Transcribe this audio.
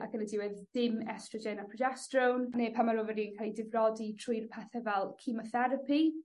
ac yn y diwedd ddim estrogen a progesteron, ne' pan ma'r oferi'n ca'l ei difrodi trwy'r pethe fel chemotherapi